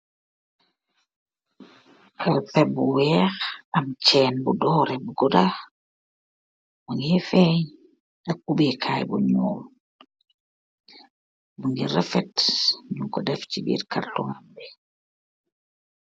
Kalpeh bu weeh amm jeen bu dooreh bu gudaah, mujeeh feeg ak ohbeh gaii bu null, bukeh refet nunko deff si birr kartok bi .